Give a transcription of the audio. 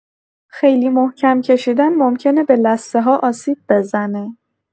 خیلی محکم کشیدن ممکنه به لثه‌ها آسیب بزنه.